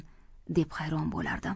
deb hayron bo'lardim